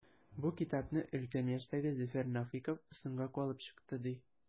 Бу китапны өлкән яшьтәге Зөфәр Нәфыйков “соңга калып” чыкты, ди.